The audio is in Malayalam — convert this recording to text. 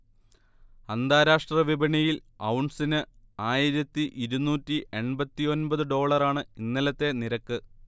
അന്താരാഷ്ര്ട വിപണിയിൽ ഔൺസിന് ആയിരത്തി ഇരുന്നൂറ്റി എൺപത്തി ഒൻപത് ഡോളറാണ് ഇന്നലത്തെ നിരക്ക്